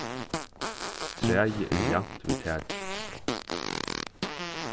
træið er javnt við takið